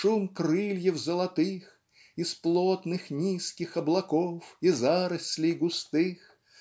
Шум крыльев золотых Из плотных низких облаков И зарослей густых